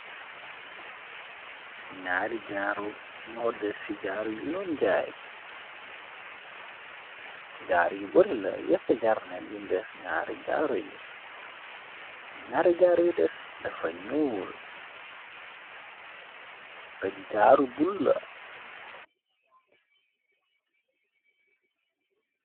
Ñaari jaaru moo des ci jaaru yu loon jaay jaaru yu bori la yepp jàrnet bum des iau ñaari jaaru yu des dafa nuul ta jaaru bul la.